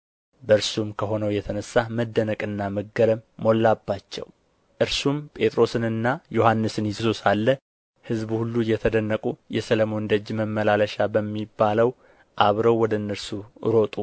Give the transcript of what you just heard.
በእርሱም ከሆነው የተነሣ መደነቅና መገረም ሞላባቸው እርሱም ጴጥሮስንና ዮሐንስን ይዞ ሳለ ሕዝቡ ሁሉ እየተደነቁ የሰሎሞን ደጅ መመላለሻ በሚባለው አብረው ወደ እነርሱ ሮጡ